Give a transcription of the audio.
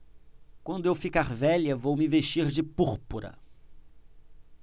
quando eu ficar velha vou me vestir de púrpura